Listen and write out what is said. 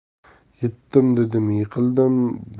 yetdim dedim yiqildim